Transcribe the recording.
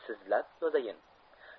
sizni sizlab yozayin